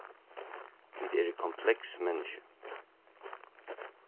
vit eru kompleks menniskju